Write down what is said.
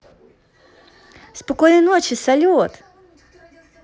спокойной ночи салют